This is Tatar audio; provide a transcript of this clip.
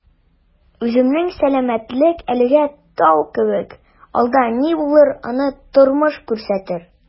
Үземнең сәламәтлек әлегә «тау» кебек, алда ни булыр - аны тормыш күрсәтер...